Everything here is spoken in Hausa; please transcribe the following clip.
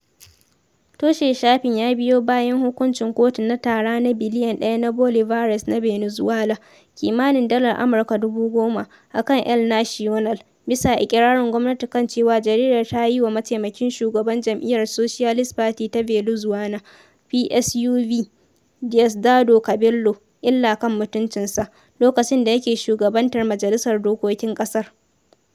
Toshe shafin ya biyo bayan hukuncin kotu na tara na biliyan ɗaya na Bolivares na Venezuela (kimanin dalar Amurka 10,000) akan El Nacional, bisa iƙirarin gwamnati kan cewa jaridar ta yi wa Mataimakin Shugaban Jam'iyyar Socialist Party ta Venezuela (PSUV), Diosdado Cabello, “illa kan mutuncinsa” lokacin da yake shugabantar Majalisar Dokokin Ƙasar.